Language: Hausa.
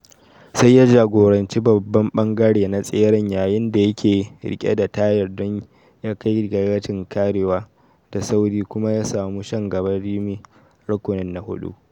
Sai ya jagoranci babban ɓangare na tseren yayin da yake rike da tayar don ya kai ga dagacin karewa da sauri kuma ya samu shan gaban Kimi Raikkonen na hudu.